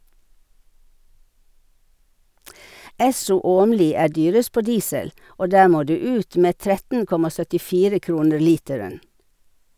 Esso Åmli er dyrest på diesel, og der må du ut med 13,74 kroner literen.